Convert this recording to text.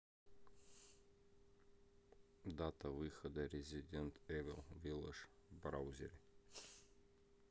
дата выхода resident evil village в браузере